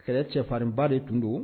Kɛlɛ cɛfarinba de tun don